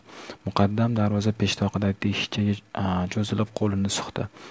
muqaddam darvoza peshtoqidagi teshikchaga cho'zilib qo'l suqdi